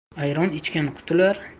ayron ichgan qutular